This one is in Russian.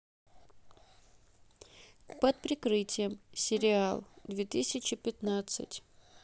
под прикрытием сериал две тысячи пятнадцать